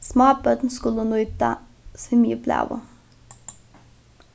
smábørn skulu nýta svimjiblæu